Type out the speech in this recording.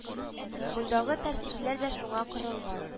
Мондагы тәртипләр дә шуңа корылган